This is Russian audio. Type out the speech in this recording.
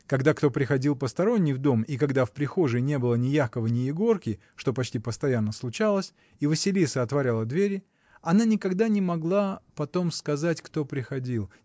Когда кто приходил посторонний в дом и когда в прихожей не было ни Якова, ни Егорки, что почти постоянно случалось, и Василиса отворяла двери, она никогда не могла потом сказать, кто приходил.